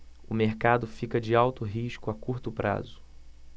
o mercado fica de alto risco a curto prazo